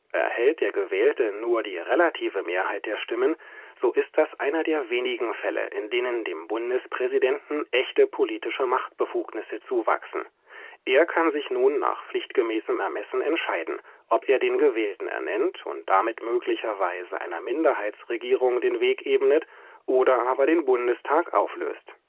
Erhält der Gewählte nur die relative Mehrheit der Stimmen, so ist das einer der wenigen Fälle, in denen dem Bundespräsidenten echte politische Machtbefugnisse zuwachsen: Er kann sich nun nach pflichtgemäßem Ermessen entscheiden, ob er den Gewählten ernennt und damit möglicherweise einer Minderheitsregierung den Weg ebnet oder aber den Bundestag auflöst